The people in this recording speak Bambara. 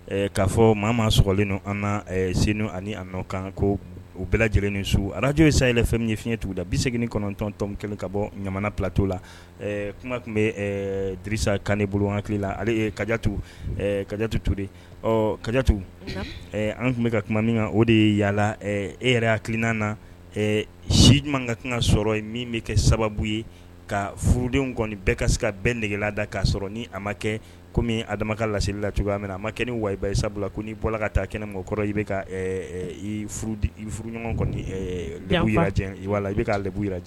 K'a fɔ maa maa slen don an sen ani a nɔ kan ko u bɛɛ lajɛlen ni su arajo ye sayɛlɛn fɛn min ye fiɲɛɲɛ tugu da bi segin kɔnɔntɔntɔn kelen ka bɔ ɲamana ptɔ la kuma tun bɛ disa kan bolo hakili la ale katu kajatu tuur de kajatu an tun bɛ ka kuma min na o de ye yalala e yɛrɛ akinan na si ɲuman ka kankan sɔrɔ min bɛ kɛ sababu ye ka furudenw kɔniɔni bɛɛ ka se ka bɛɛ nɛgɛgela da k'a sɔrɔ ni a ma kɛ kɔmi adama ka laselila cogoya minɛ a ma kɛnɛ wa i sabula ko n'i bɔla ka taa kɛnɛ mɔgɔ kɔrɔ i bɛ ka furu ɲɔgɔn i ka b jira